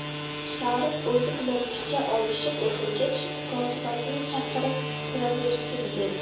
sharif o'zi bilan picha olishib o'tirgach kotibasini chaqirib kiraversin dedi